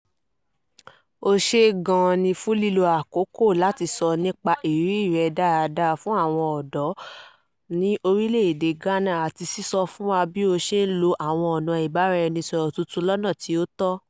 O ṣeé gan-an ni fún lílo àkókò láti sọ nípa àwọn ìrírí rẹ dáadáa fún àwọn ọ̀dọ́ ní orílẹ̀ èdè Ghana àti sísọ fún wa bí ó ṣe ń lo àwọn ọ̀nà ìbáraẹnisọ̀rọ̀ tuntun lọ́nà tí ó tọ́.